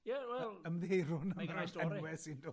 Ie, wel... Y- ymddiheirwn am y fath enwe sy'n dod.